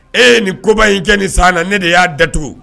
E nin koba in kɛ ni san na ne de y'a datugu